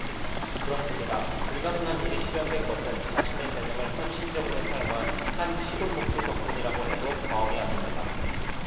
그렇습니다 불가능한 일이 실현된 것은 자신의 재능을 헌신적으로 사용한 한 시골 목수 덕분이라고 해도 과언이 아닙니다